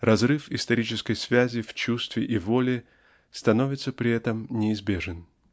Разрыв исторической связи в чувстве и воле становится при этом неизбежен.